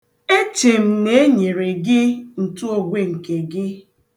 Eche m na enyere gị ntụogwe nke gị.